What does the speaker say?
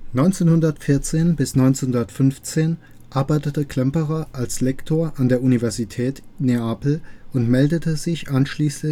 1914 bis 1915 arbeitete Klemperer als Lektor an der Universität Neapel und meldete sich anschließend